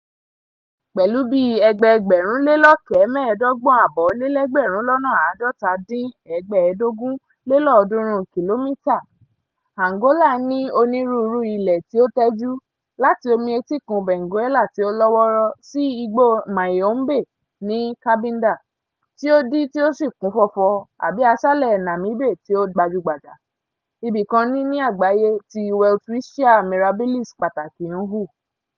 Pẹ̀lú bíi 1,246,700 km2, Angola ní onírúurú ilẹ̀ tí ó tẹ́jú, láti omi etíkun Benguela tí ó lọ́wọ́rọ́ sí igbó Maiombe ní Cabinda tí ó dí tí ó sì kún fọ́fọ́ àbí aṣálẹ̀ Namibe tí ó gbajúgbajà, ibìkan ní ni àgbáyé tí welwitschia mirabilis pàtàkì ti ń hù.